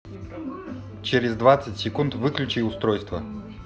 через двадцать секунд выключи устройство